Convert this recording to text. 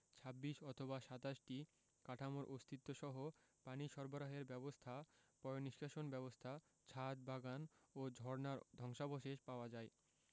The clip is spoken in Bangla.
২৬ অথবা ২৭টি কাঠামোর অস্তিত্বসহ পানি সরবরাহের ব্যবস্থা পয়োনিষ্কাশন ব্যবস্থা ছাদ বাগান ও ঝর্ণার ধ্বংসাবশেষ পাওয়া যায়